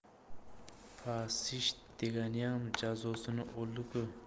pashist deganiyam jazosini oldi ku